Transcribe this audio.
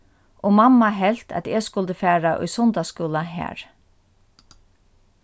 og mamma helt at eg skuldi fara í sunnudagsskúla har